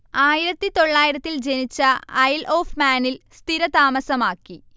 ആയിരത്തി തൊള്ളായിരത്തിൽ ജനിച്ച ഐൽ ഒഫ് മാനിൽ സ്ഥിരതാമസമാക്കി